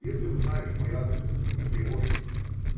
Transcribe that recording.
Если узнаешь мой адрес, не тревожь меня".